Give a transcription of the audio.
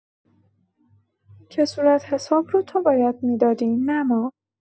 که صورتحساب رو تو باید می‌دادی نه ما!